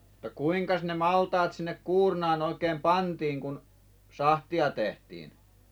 mutta kuinkas ne maltaat sinne kuurnaan oikein pantiin kun sahtia tehtiin